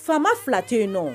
Faama 2 ten yen nɔ.